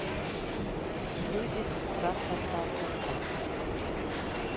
music тратататата